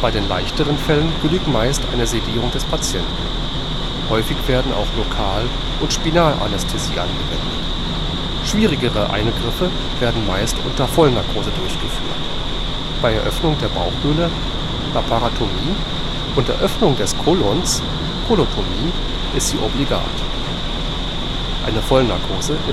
den leichteren Fällen genügt meist eine Sedierung des Patienten. Häufig werden auch Lokal - und Spinalanästhesie angewendet. Schwierigere Eingriffe werden meist unter Vollnarkose durchgeführt; bei Eröffnung der Bauchhöhle (Laparotomie) und Eröffnung des Kolons (Kolotomie) ist sie obligat. Eine Vollnarkose